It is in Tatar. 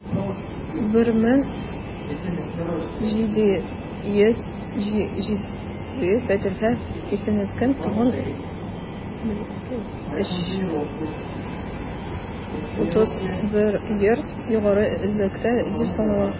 1770 фатирга исәпләнгән тагын 31 йорт югары әзерлектә дип санала.